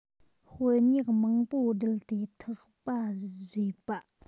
སྤུ ཉག མང པོ བསྒྲིལ ཏེ ཐག པ བཟོས པ